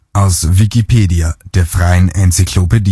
aus Wikipedia, der freien Enzyklopädie